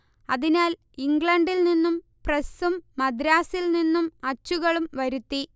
അതിനാൽ ഇംഗ്ലണ്ടിൽ നിന്നും പ്രസ്സും മദ്രാസിൽ നിന്നും അച്ചുകളും വരുത്തി